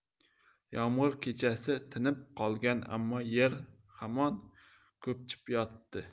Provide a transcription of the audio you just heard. yomg'ir kechasi tinib qolgan ammo yer hamon ko'pchib yotibdi